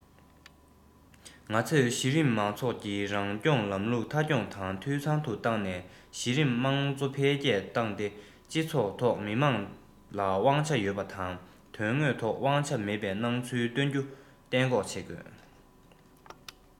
ང ཚོས གཞི རིམ མང ཚོགས ཀྱི རང སྐྱོང ལམ ལུགས མཐའ འཁྱོངས དང འཐུས ཚང དུ བཏང ནས གཞི རིམ དམངས གཙོ འཕེལ རྒྱས བཏང སྟེ ཕྱི ཚུལ ཐོག མི དམངས ལ དབང ཆ ཡོད པ དང དོན དངོས ཐོག དབང ཆ མེད པའི སྣང ཚུལ ཐོན རྒྱུ གཏན འགོག བྱེད དགོས